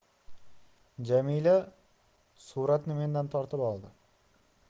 jamila suratni mendan tortib oldi